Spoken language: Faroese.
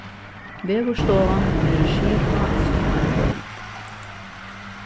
veðurstovan verður skipað sum ein deild